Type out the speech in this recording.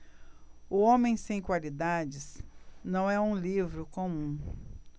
o homem sem qualidades não é um livro comum